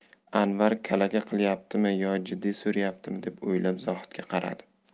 anvar kalaka qilyaptimi yo jiddiy so'rayaptimi deb o'ylab zohidga qaradi